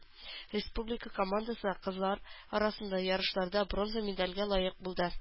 Республика командасы кызлар арасында ярышларда бронза медальгә лаек булды.